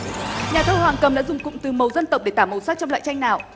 nhà thơ hoàng cầm đã dùng cụm từ mầu dân tộc để tả màu sắc trong loại tranh nào